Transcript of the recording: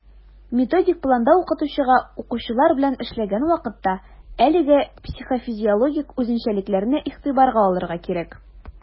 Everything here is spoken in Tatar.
Методик планда укытучыга, укучылар белән эшләгән вакытта, әлеге психофизиологик үзенчәлекләрне игътибарга алырга кирәк.